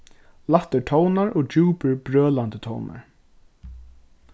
lættir tónar og djúpir brølandi tónar